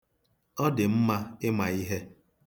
Ọ dị mma ịma ihe.